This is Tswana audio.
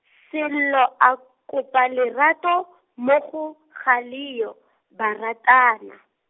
Sello a kopa lerato, mo go, Galeyo ba ratana.